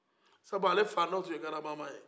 sabu ale fa ni o tun ye grabamama ye